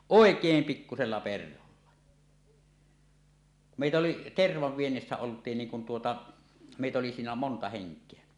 oikein pikkuisella perholla meitä oli tervan viennissä oltiin niin kun tuota meitä oli siinä monta henkeä